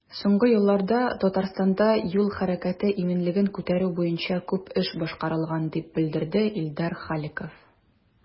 Соңгы елларда Татарстанда юл хәрәкәте иминлеген күтәрү буенча күп эш башкарылган, дип белдерде Илдар Халиков.